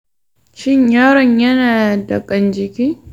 shin yaron yana da kan jiki?